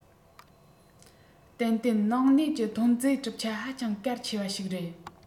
ཏན ཏན ནང གནས ཀྱི ཐོན རྫས གྲུབ ཆ ཧ ཅང གལ ཆེ བ ཞིག རེད